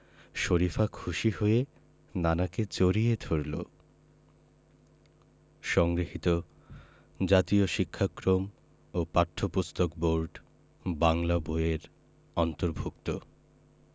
শরিফা খুশি হয়ে নানাকে জড়িয়ে ধরল সংগৃহীত জাতীয় শিক্ষাক্রম ও পাঠ্যপুস্তক বোর্ড বাংলা বই এর অন্তর্ভুক্ত